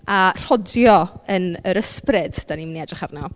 A "rhodio yn yr ysbryd" dan ni'n mynd i edrych arno.